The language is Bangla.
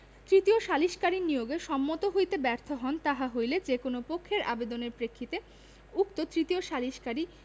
তৃতীয় সালিসকারী নিয়োগে সম্মত হইতে ব্যর্থ হন তাহা হইলে যে কোন পক্ষের আবেদনের প্রেক্ষিতে উক্ত তৃতীয় সালিসকারী